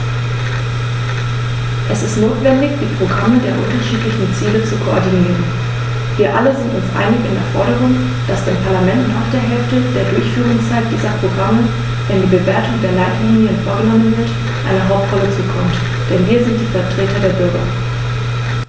Es ist notwendig, die Programme der unterschiedlichen Ziele zu koordinieren. Wir alle sind uns einig in der Forderung, dass dem Parlament nach der Hälfte der Durchführungszeit dieser Programme, wenn die Bewertung der Leitlinien vorgenommen wird, eine Hauptrolle zukommt, denn wir sind die Vertreter der Bürger.